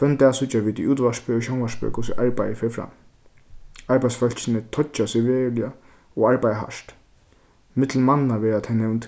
hvønn dag síggja vit í útvarpi og sjónvarpi hvussu arbeiðið fer fram arbeiðsfólkini toyggja seg veruliga og arbeiða hart millum manna verða tey nevnd